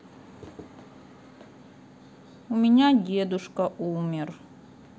у меня дедушка умер